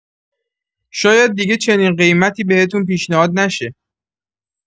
شاید دیگه چنین قیمتی بهتون پیشنهاد نشه.